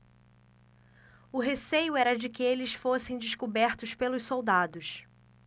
o receio era de que eles fossem descobertos pelos soldados